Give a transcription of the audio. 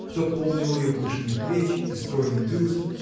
кто помнил ее пышные плечи и стройный бюст